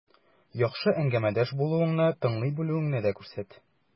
Яхшы әңгәмәдәш булуыңны, тыңлый белүеңне дә күрсәт.